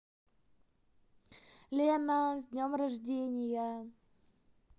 лена с днем рождения